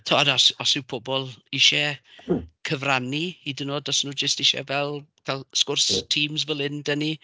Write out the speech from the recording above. Timod os os yw pobl isie cyfrannu hyd yn oed os 'y nhw jyst isie fel fel sgwrs Teams fel hyn 'da ni.